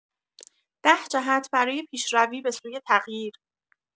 ده جهت برای پیشروی به‌سوی تغییر